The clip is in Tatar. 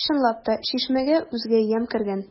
Чынлап та, чишмәгә үзгә ямь кергән.